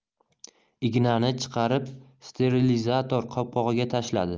ignani chiqarib sterilizator qopqog'iga tashladi